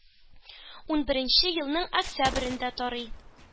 Унберенче елның октябрендә тарый.